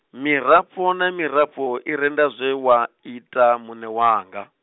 mirafho na mirafho, i renda zwe wa ita, muṋe wanga.